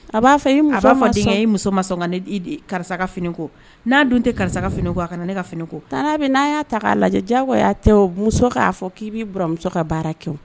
A b'a fɔ b'a muso a b'a fɔ dekɛ ye i muso ma sɔ ka ne, karisa ka fini ko n'a dun tɛ karisa ka fini a kana ne ka fini ko, Tanti Abi n'a y'a ta k'a lajɛ diyagoya tɛ muso k'a fɔ k'i b'i buranmuso ka baara kɛ